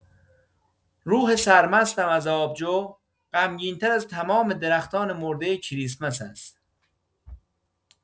روح سرمستم از آبجو، غمگین‌تر از تمامی درختان مرده کریسمس است.